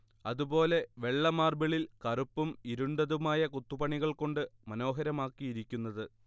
അതുപോലെ വെള്ള മാർബിളിൽ കറുപ്പും ഇരുണ്ടതുമായ കൊത്തുപണികൾ കൊണ്ട് മനോഹരമാക്കിയിരിക്കുന്നത്